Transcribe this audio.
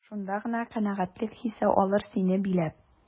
Шунда гына канәгатьлек хисе алыр сине биләп.